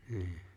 niin